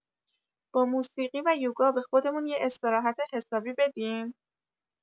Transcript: با موسیقی و یوگا به خودمون یه استراحت حسابی بدیم؟